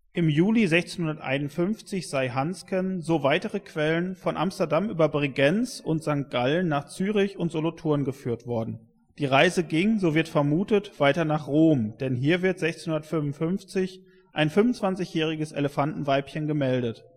Im Juli 1651 sei Hansken, so weitere Quellen, von Amsterdam über Bregenz und St. Gallen nach Zürich und Solothurn geführt worden; die Reise ging, so wird vermutet, weiter nach Rom, denn hier wird 1655 ein 25jähriges Elefantenweibchen gemeldet